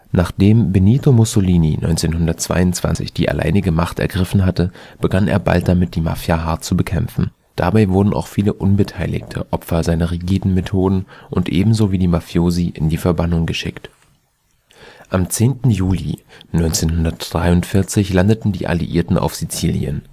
Nachdem Benito Mussolini 1922 die alleinige Macht ergriffen hatte, begann er bald damit, die Mafia hart zu bekämpfen. Dabei wurden auch viele Unbeteiligte Opfer seiner rigiden Methoden und ebenso wie die Mafiosi in die Verbannung geschickt. Am 10. Juli 1943 landeten die Alliierten auf Sizilien